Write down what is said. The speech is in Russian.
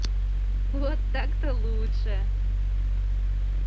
вот так то лучше